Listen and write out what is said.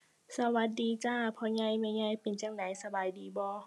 สวัสดีจ้า พ่อใหญ่ แม่ใหญ่เป็นจั่งใด สบายดีบ่